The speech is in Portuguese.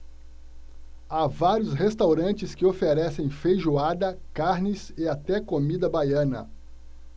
há vários restaurantes que oferecem feijoada carnes e até comida baiana